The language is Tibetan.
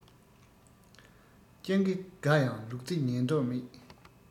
སྤྱང ཀི དགའ ཡང ལུག རྫི ཉན མདོག མེད